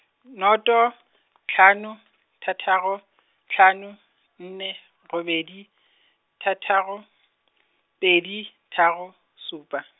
nnoto, tlhano, thataro, tlhano, nne, robedi, thataro, pedi, tharo, supa.